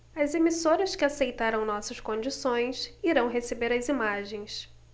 as emissoras que aceitaram nossas condições irão receber as imagens